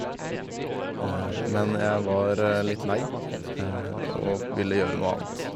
Men jeg var litt lei, og v ville gjøre noe annet.